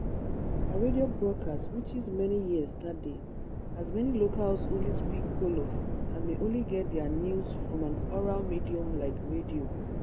Her radio broadcast reaches many ears that day, as many locals only speak Wolof and may only get their news from an oral medium like radio.